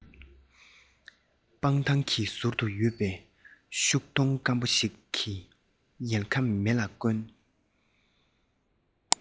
སྤང ཐང གི ཟུར དུ ཡོད པའི ཤུག སྡོང སྐམ པོ ཞིག གི ཡལ ག མེ ལ སྒྲོན